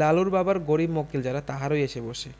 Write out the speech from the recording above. লালুর বাবার গরীব মক্কেল যারা তাহারই এসে বসে